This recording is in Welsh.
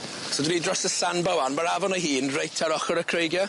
So 'dan ni dros y sandbar ŵan ma'r afon ei hun reit ar ochor y creigie.